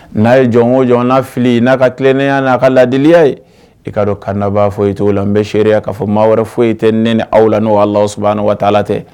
N'a ye jɔnko joona fili n'a ka tilennenya n'a ka ladiliya i kaa don kanaa fɔ i cogo la n bɛ seereya k'a fɔ maa wɛrɛ foyi i tɛ n aw la n'o s waa taala tɛ